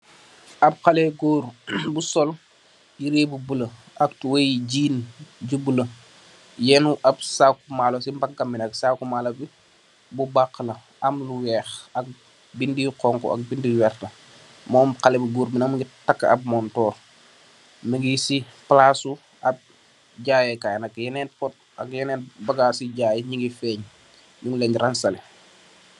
Ahb haleh gorre bu sol yehreh bu bleu ak tubeiy yii jean ju bleu, yehndu ahb saaku maalor cii mbagam bii nak, saaku maalor bii bu bakah la, am lu wekh, ak bindu yu honhu ak bindu yu wertah, mom haleh bu gorre bii nak mungy tarkah ahb montorre, mungy cii plassu ahb jaiiyeh kaii nak, yenen pot ak yenen bagassi jaii njungeh fengh, njung len raanzaleh.